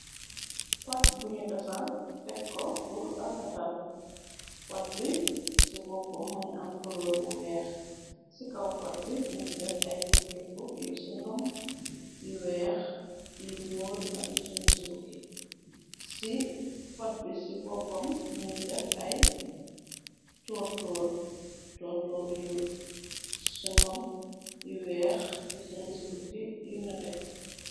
pot buñu dafar tek ko pur rafatal pot bi ci boppaom mungi am kuloor bu weex ci kaw pot bi muñ ci def ay tup tup yuy singom yu weex yu ñyuul ak y sunguf ci bukki ci pot bi ci boppam nungi def ay tontoor yu singom yu weex yi sunguf ci bukki yu nete.